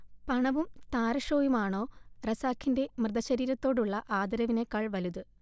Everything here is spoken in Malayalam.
പണവും താരഷോയും ആണൊ റസാഖിന്റെ മൃതശരീരത്തോടുള്ള ആദരവിനെക്കാൾ വലുത്